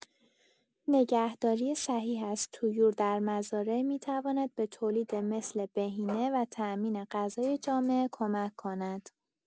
نگهداری صحیح از طیور در مزارع می‌تواند به تولید مثل بهینه و تامین غذای جامعه کمک کند.